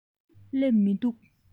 སླེབས མི འདུག